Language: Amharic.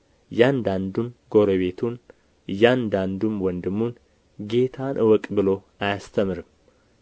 እያንዳንዱም ጐረቤቱን እያንዳንዱም ወንድሙን ጌታን እወቅ ብሎ አያስተምርም